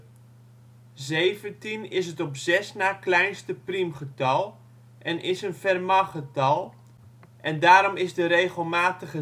Zeventien is het op zes na kleinste priemgetal, en is een Fermatgetal en daarom is de regelmatige